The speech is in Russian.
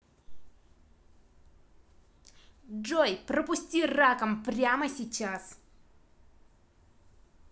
джой пропусти раком прямо сейчас